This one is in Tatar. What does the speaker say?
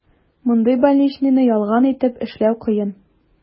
Мондый больничныйны ялган итеп эшләү кыен.